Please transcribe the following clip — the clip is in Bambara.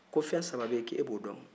ko fɛn saba be yen ko e b'o dɔn